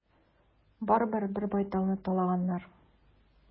Барыбер, бер байталны талаганнар.